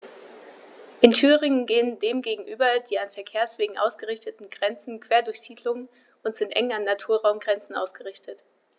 In Thüringen gehen dem gegenüber die an Verkehrswegen ausgerichteten Grenzen quer durch Siedlungen und sind eng an Naturraumgrenzen ausgerichtet.